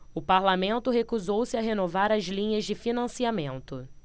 o parlamento recusou-se a renovar as linhas de financiamento